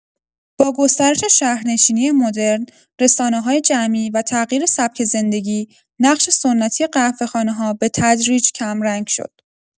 با گسترش شهرنشینی مدرن، رسانه‌های جمعی و تغییر سبک زندگی، نقش سنتی قهوه‌خانه‌ها به‌تدریج کمرنگ شد.